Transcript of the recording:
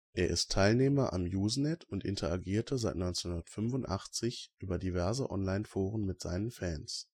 Er ist Teilnehmer am Usenet und interagierte seit 1985 über diverse Online-Foren mit seinen Fans